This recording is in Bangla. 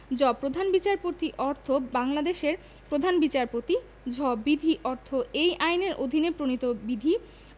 জ প্রধান বিচারপতি অর্থ বাংলাদেশের প্রধান বিচারপতি ঝ বিধি অর্থ এই আইনের অধীনে প্রণীত বিধি